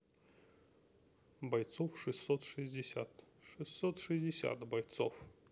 бойцов шестьсот шестьдесят шестьсот шестьдесят бойцов